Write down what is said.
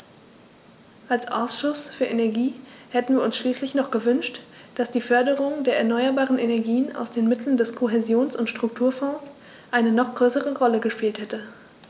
Als Ausschuss für Energie hätten wir uns schließlich noch gewünscht, dass die Förderung der erneuerbaren Energien aus den Mitteln des Kohäsions- und Strukturfonds eine noch größere Rolle gespielt hätte.